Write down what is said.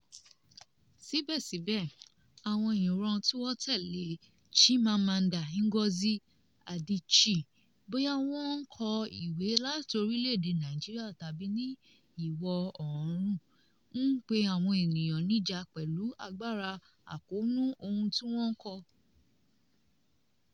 Síbẹ̀síbẹ̀, àwọn ìran tí wọ́n tẹ́lẹ̀ Chimamanda Ngozi Adichie, bóyá wọ́n ń kọ ìwé láti Orílẹ̀-èdè Nigeria tàbí ní Ìwọ̀ Oòrùn, ń pe àwọn ènìyàn níjà pẹ̀lú agbára àkóónú ohun tí wọ́n ń kọ.